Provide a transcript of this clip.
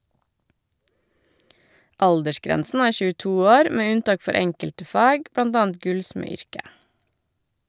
Aldersgrensen er 22 år, med unntak for enkelte fag, blant annet gullsmedyrket.